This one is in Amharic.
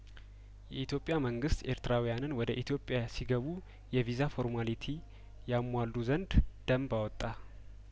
የኢትዮጵያ መንግስት ኤርትራውያንን ወደ ኢትዮጵያሲ ገቡ የቪዛ ፎርማሊቲ ያሟሉ ዘንድ ደንብ አወጣ